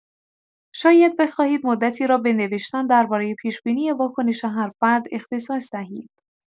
شاید بخواهید مدتی را به نوشتن درباره پیش‌بینی واکنش هر فرد اختصاص دهید.